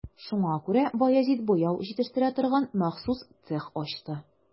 Шуңа күрә Баязит буяу җитештерә торган махсус цех ачты.